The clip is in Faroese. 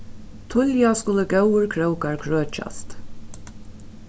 tíðliga skulu góðir krókar krøkjast